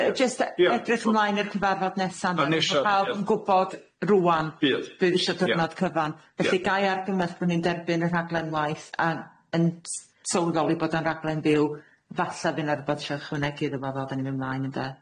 Na j- jyst yy edrych mlaen i'r cyfarfod nesa ma' pawb yn gwbod rŵan bydd isho dwrnod cyfan felly gai argymell bo' ni'n derbyn y rhaglen waith a yn s- sylweddoli bod o'n rhaglen byw falle bydd 'na rwbath angan ychwanegu idda fo fel 'dan ni'n myn' mlaen ynde?